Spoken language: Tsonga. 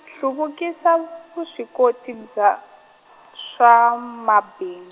hluvukisa vuswikoti bya , swa mabin-.